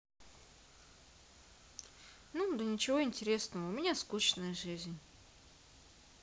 ну да ничего интересного у меня скучная жизнь